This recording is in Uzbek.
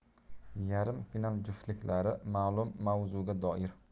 yarim final juftliklari ma'lummavzuga doir